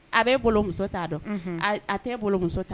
A bɛ bolomuso t'a dɔn a tɛ bolomuso ta